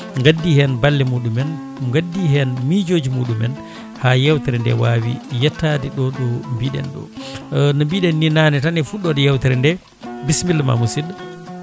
gaddi hen balle muɗumen gaddi hen miijoji muɗumen ha yewtere nde wawi yettade ɗo ɗo mbiɗen ɗo no mbiɗen ni nane tan e fuɗɗode yewtere nde bisimilla ma musidɗo